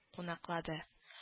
Кунаклады